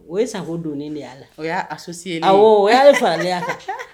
O ye Sako donnen de y'a la ,o y'a associer len, awɔ o y'a faralen y'a kan